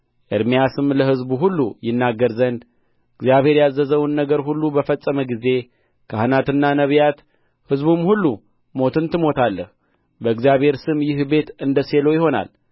ኤርምያስም ለሕዝቡ ሁሉ ይናገር ዘንድ እግዚአብሔር ያዘዘውን ነገር ሁሉ በፈጸመ ጊዜ ካህናትና ነቢያት ሕዝቡም ሁሉ ሞትን ትሞታለህ በእግዚአብሔር ስም ይህ ቤት እንደ ሴሎ ይሆናል